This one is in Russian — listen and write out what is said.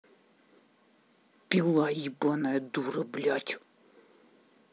пила ебаная дура блядь